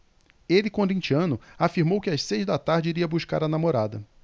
ele corintiano afirmou que às seis da tarde iria buscar a namorada